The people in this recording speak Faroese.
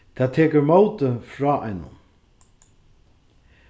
tað tekur mótið frá einum